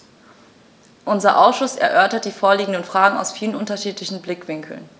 Unser Ausschuss erörtert die vorliegenden Fragen aus vielen unterschiedlichen Blickwinkeln.